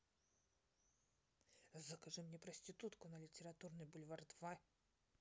закажи мне проститутку на литературный бульвар два